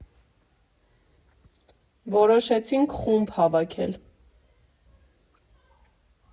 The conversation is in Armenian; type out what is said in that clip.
Որոշեցինք խումբ հավաքել։